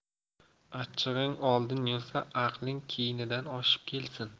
achchig'ing oldin yursa aqling keynidan oshib kelsin